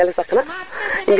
cherie Waly Faye